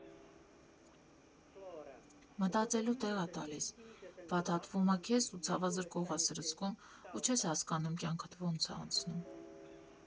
Մտածելու տեղ ա տալիս, փաթաթվում ա քեզ ու ցավազրկող ա սրսկում, ու չես հասկանում, կյանքդ ոնց ա անցնում։